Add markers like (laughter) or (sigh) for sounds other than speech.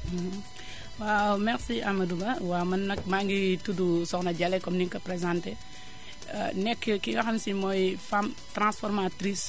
(hesitation) (music) waaw merci amadou Ba waaw man nag maa ngi tudd Soxna Jalle comme ni nga ko présenté (music) (hesitation) nekk ki nga xam ni si mooy femme transformatrice